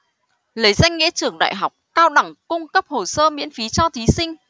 lấy danh nghĩa trường đại học cao đẳng cung cấp hồ sơ miễn phí cho thí sinh